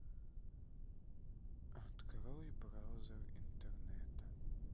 открой браузер интернета